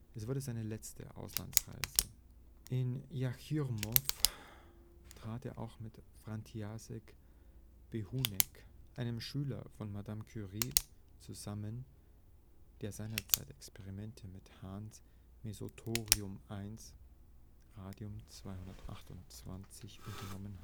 wurde seine letzte Auslandsreise. In Jáchymov traf er auch mit Frantisek Behounek, einem Schüler von Marie Curie, zusammen, der seinerzeit Experimente mit Hahns Mesothorium I (Radium 228) unternommen